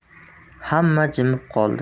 hamma jimib qoldi